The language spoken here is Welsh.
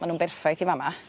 ma' nw'n berffaith i fa' 'ma.